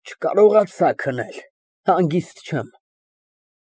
Չկարողացա քնել։ Հանգիստ չեմ։